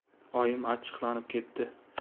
oyim achchiqlanib ketdi